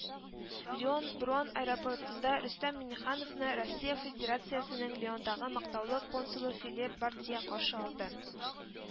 Лион-Брон аэропортында Рөстәм Миңнехановны Россия Федерациясенең Лиондагы мактаулы консулы Филипп Бордье каршы алды